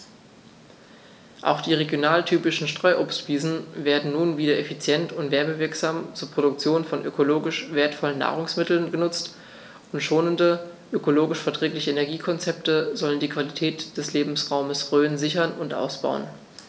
Auch die regionaltypischen Streuobstwiesen werden nun wieder effizient und werbewirksam zur Produktion von ökologisch wertvollen Nahrungsmitteln genutzt, und schonende, ökologisch verträgliche Energiekonzepte sollen die Qualität des Lebensraumes Rhön sichern und ausbauen.